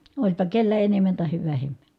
olipa kenellä enemmän tai vähemmän